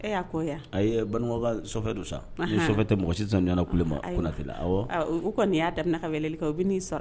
Ee y'a ko a ban so don sa tɛ mɔgɔ sisan ɲɔgɔnana ku ma kunna u kɔni nin y'a dainiina kalɛli kan u bɛ'i sara